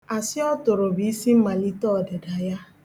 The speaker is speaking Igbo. Asị ọ tụrụ bụ isimmalite ọdịda ya